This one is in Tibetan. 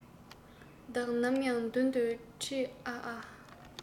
བདག ནམ ཡང མདུན དུ ཁྲིད ཨ ཨ